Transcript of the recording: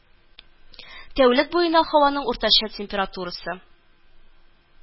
Тәүлек буена һаваның уртача температурасы